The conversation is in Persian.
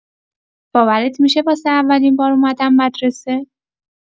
باورت می‌شه واسه اولین بار اومدم مدرسه؟